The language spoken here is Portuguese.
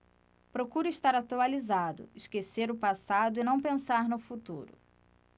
procuro estar atualizado esquecer o passado e não pensar no futuro